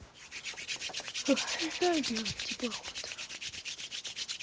дай белый теплоход